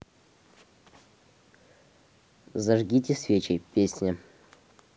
зажгите свечи песня